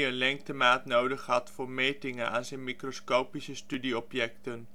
lengtemaat nodig had voor metingen aan zijn microscopische studieobjecten